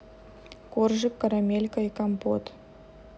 коржик карамелька и компот